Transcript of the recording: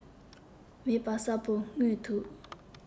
མེད པར གསལ པོར མངོན ཐུབ